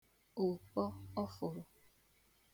ụ̀kpọ ọ̀fụrụ̀